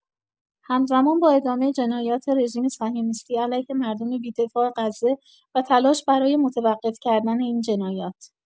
همزمان با ادامه جنایات رژیم صهیونیستی علیه مردم بی‌دفاع غزه و تلاش برای متوقف کردن این جنایات